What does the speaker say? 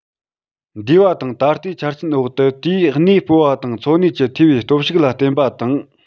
འདས པ དང ད ལྟའི ཆ རྐྱེན འོག ཏུ དེའི གནས སྤོ བ དང འཚོ གནས ཀྱིས འཐུས པའི སྟོབས ཤུགས ལ བརྟེན པ དང